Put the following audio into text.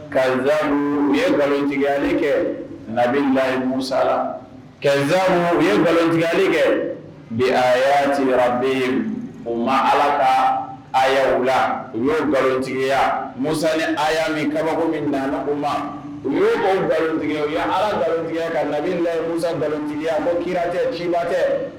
Ka nzamuru u ye nkalontigiigyali kɛ la layi musala ka nza u ye nkalontigɛigyali kɛ bi a ci bɛ yen u ma ala ka aya u la u ye nkalontigiya musa a y yaa min kabako min na u ma u ye bon balimatigi u ye ala balimatigiya ka labɛn la musa nkalontigiya ko kijɛ ji tɛ